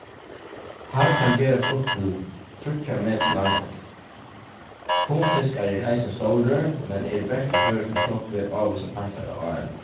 hann kann gerast upp til tríggjar metrar langur tunfiskar eru eisini stórir men eru bert í føroyskum sjógvi ávísar partar av árinum